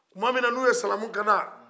tuma min na n'u ye samalu kanda